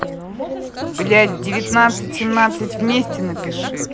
блядь девятнадцать семнадцать вместе напиши